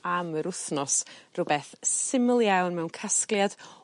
am yr wthnos rwbeth syml iawn mewn casgliad